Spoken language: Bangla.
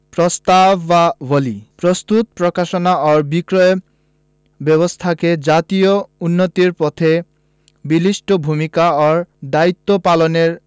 ০৯ প্রস্তাবাবলী পুস্তক প্রকাশনা ও বিক্রয় ব্যাবস্থাকে জাতীয় উন্নতির পথে বলিষ্ঠ ভূমিকা ও দায়িত্ব পালনের